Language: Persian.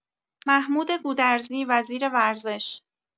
محمود گودرزی وزیر ورزش